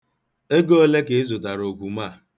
Ego ole ka ị zụtara okwuma a?